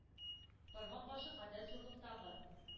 Бармак башы кадәр зурлыктагы